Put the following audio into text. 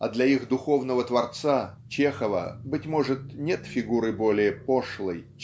А для их духовного творца Чехова быть может нет фигуры более пошлой